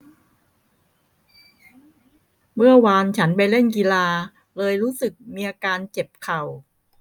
เมื่อวานฉันไปเล่นกีฬาเลยรู้สึกมีอาการเจ็บเข่า